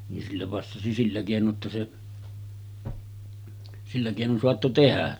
niin sillä passasi sillä keinoin että se sillä keinoin saattoi tehdä